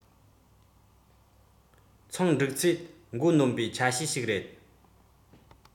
ཚོང འགྲིག ཚད མགོ གནོན པའི ཆ ཤས ཤིག རེད